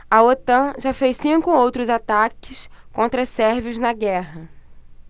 a otan já fez cinco outros ataques contra sérvios na guerra